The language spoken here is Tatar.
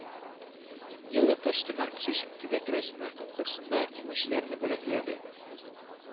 Елы почта маркасы өчен төбәк рәсемнәр конкурсында иңүчеләрне бүләкләде